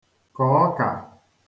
kọ̀ ọkà